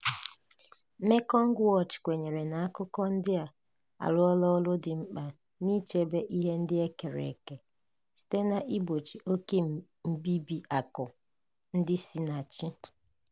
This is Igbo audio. Mekong Watch kwenyere na akụkọ ndị a "arụọla ọrụ dị mkpa n' ichebe ihe ndị e kere eke site n'igbochi oke mbibi akụ ndị si na chi".